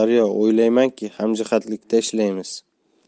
o'ylaymanki hamjihatlikda ishlaymiz